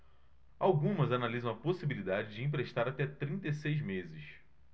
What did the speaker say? algumas analisam a possibilidade de emprestar até trinta e seis meses